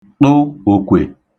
ṭụ òkwè